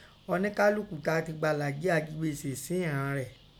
Ọníkálùkù káa ti gbala jẹ́ ajigbese si ẹ̀ran rẹ̀.